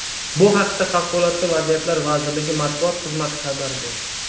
bu haqda favqulodda vaziyatlar vazirligi matbuot xizmati xabar berdi